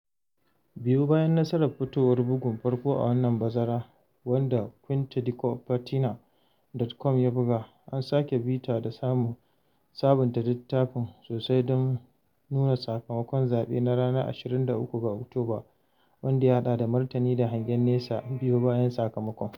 Biyo bayan nasarar fitowar bugun farko a wannan bazara, wanda quintadicopertina.com ya buga, an sake bita da sabunta littafin sosai don nuna sakamakon zaɓen na ranar 23 ga Oktoba, wanda ya haɗa da martani da hangen nesa biyo bayan sakamakon.